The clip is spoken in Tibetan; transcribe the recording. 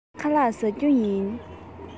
ངས ཁ ལག བཟས མེད